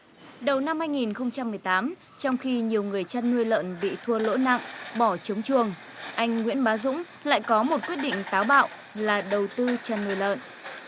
đầu năm hai nghìn không trăm mười tám trong khi nhiều người chăn nuôi lợn bị thua lỗ nặng bỏ trống chuồng anh nguyễn bá dũng lại có một quyết định táo bạo là đầu tư chăn nuôi lợn